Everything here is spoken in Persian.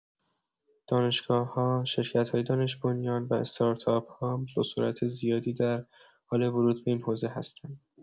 دانشگاه‌‌ها، شرکت‌های دانش‌بنیان و استارتاپ‌ها با سرعت زیادی در حال ورود به این حوزه هستند.